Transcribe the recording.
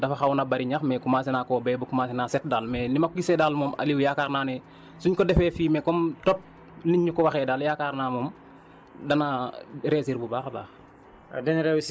te lee dafa xawoon na bëri ñax mais commencé naa koo béy ba commencé naa set daal mais ni ma ko gisee daal moom Aliou yaakaar naa ne suñ ko defee fumier comme topp niñ ñu ko waxee daal yaakaar naa moom dana réussir bu baax a baax